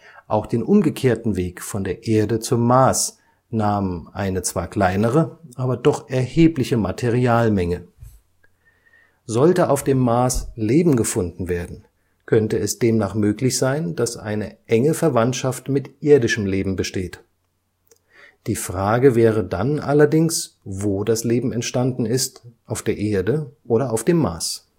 Auch den umgekehrten Weg von der Erde zum Mars nahm eine zwar kleinere, aber doch erhebliche Materialmenge. Sollte auf dem Mars Leben gefunden werden, könnte es demnach möglich sein, dass eine enge Verwandtschaft mit irdischem Leben besteht. Die Frage wäre dann allerdings, wo das Leben entstanden ist, auf der Erde oder auf dem Mars